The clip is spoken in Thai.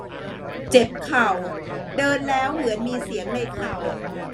เจ็บเข่าเดินแล้วเหมือนมีเสียงในเข่า